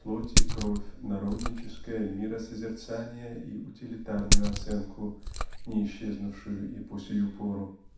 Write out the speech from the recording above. плоть и кровь народническое миросозерцание и утилитарную оценку не исчезнувшую и по сию пору.